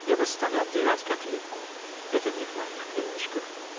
я вас стану обдирать как липку? Это не в-- моих привычках.